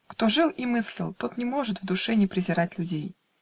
Кто жил и мыслил, тот не может В душе не презирать людей